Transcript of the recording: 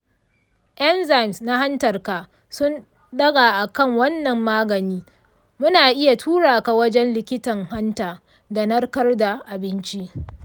enzymes na hantar ka sun ɗaga a kan wannan magani, muna iya tura ka wajen likitan hanta da narkar da abinci.